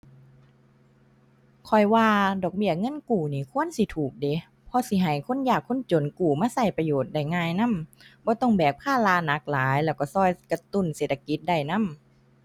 ข้อยว่าดอกเบี้ยเงินกู้นี่ควรสิถูกเดะ เพราะสิให้คนยากคนจนกู้มาใช้ประโยชน์ได้ง่ายนำ บ่ต้องแบกภาระหนักหลาย แล้วใช้ใช้กระตุ้นเศรษฐกิจได้นำ